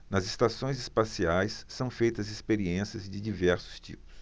nas estações espaciais são feitas experiências de diversos tipos